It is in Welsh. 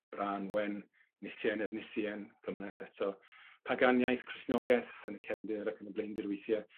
brân wen Nisien Efnisien, gymleth eto Paganiaeth Crisnogeth, yn y cefndir ac yn y blaendir withie.